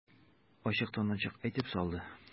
Ачыктан-ачык әйтеп салды.